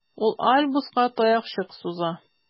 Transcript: Ул Альбуска таякчык суза.